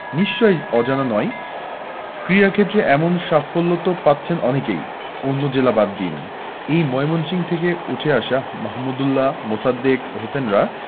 নিশ্চয়ই অজানা নয় ক্রীড়াক্ষেত্রে এমন সাফল্য তো পাচ্ছেন অনেকেই অন্য জেলা বাদ দিন এ ময়মনসিংহ থেকেই উঠে আসা মাহমুদউল্লাহ মোসাদ্দেক হোসেনরা